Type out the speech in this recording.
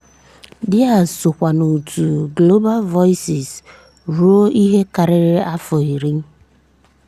Díaz sokwa n'òtù Global Voices ruo ihe karịrị afọ iri.